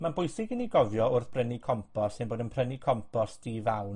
Mae'n bwysig i ni gofio, wrth brynu compos, ein bod yn prynu compost di-fawn,